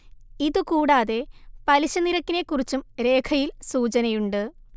ഇതുകൂടാതെ പലിശ നിരക്കിനെക്കുറിച്ചും രേഖയിൽ സൂചനയുണ്ട്